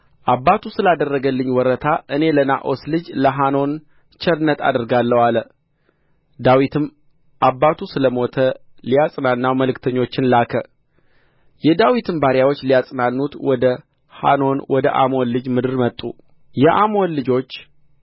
አባቱ ስላደረገልኝ ወረታ እኔ ለናዖስ ልጅ ለሐኖን ቸርነት አደርጋለሁ አለ ዳዊትም አባቱ ስለ ሞተ ልያጽናናው መልእክተኞችን ላከ የዳዊትም ባሪያዎች ሊያጽናኑት ወደ ሐኖን ወደ አሞን ልጆች ምድር መጡ የአሞን ልጆች